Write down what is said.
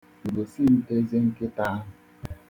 Gosi m eze nkịta ahụ.